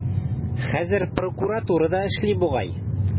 Хәзер прокуратурада эшли бугай.